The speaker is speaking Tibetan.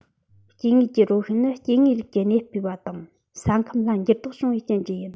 སྐྱེ དངོས ཀྱི རོ ཤུལ ནི སྐྱེ དངོས རིགས ཀྱི གནས སྤོས པ དང ས ཁམས ལ འགྱུར ལྡོག བྱུང བའི རྐྱེན གྱིས